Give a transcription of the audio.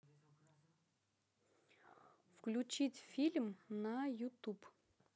включить фильм на ютуб